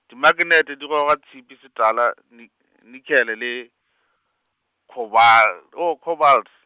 dimaknete di goga tshipi setala nik- nikhele le, khobal-, oh khobalte.